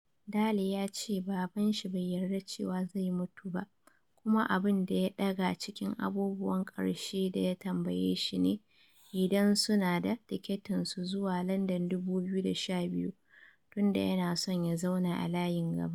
Daley ya ce baban shi bai yarda cewa zai mutu ba kuma abun daya daga cikin abubuwan karshe da ya tambaya shi ne idan su na da tiketin su zuwa Landan 2012 - tun da yana son ya zauna a layin gaba.